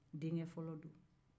denkɛ fɔlɔ don